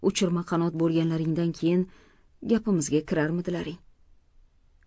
uchirma qanot bo'lganlaringdan keyin gapimizga kirarmidilaring